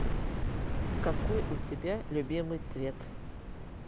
какой у тебя любимый цвет